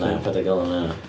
Na, paid â galw fo'n hynna.